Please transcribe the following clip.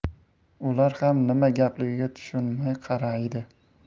ular ham nima gapligiga tushunmay qaraydi